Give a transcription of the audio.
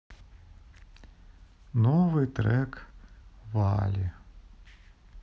новый трек вали